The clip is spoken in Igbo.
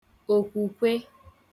òkwukwe